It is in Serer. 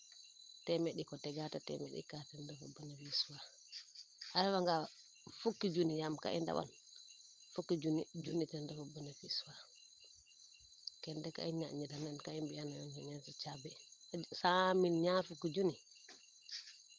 temeeɗ ɗik o tega teen temeed ndika ten refu benefice faa a refa nga fukki junni yaam ka i ndawan fukki junni junni ten refu benefice faa ke ne de ñaanj nina tan ka i mbiyan nan njeti caabi cent mille ñaar fukki junni